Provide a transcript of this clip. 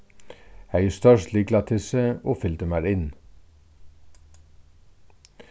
hevði stórt lyklatyssi og fylgdi mær inn